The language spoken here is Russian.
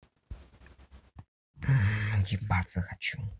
ебаться хочу